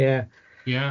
Ie. Ie.